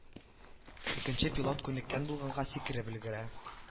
Икенче пилот күнеккән булганга сикереп өлгерә